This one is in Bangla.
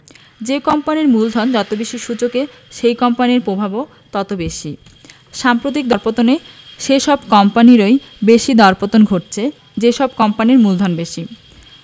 যে কোম্পানির মূলধন যত বেশি সূচকে সেই কোম্পানির প্রভাবও তত বেশি সাম্প্রতিক দরপতনে সেসব কোম্পানিরই বেশি দরপতন ঘটেছে যেসব কোম্পানির মূলধন বেশি